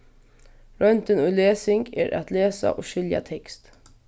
royndin í lesing er at lesa og skilja tekst